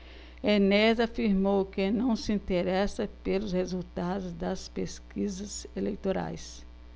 enéas afirmou que não se interessa pelos resultados das pesquisas eleitorais